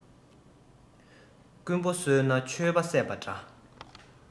རྐུན པོ གསོས ན ཆོས པ བསད པ འདྲ